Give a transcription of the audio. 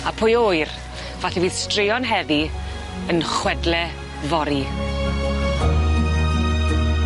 A pwy a wyr, falle bydd straeon heddi yn chwedle fory.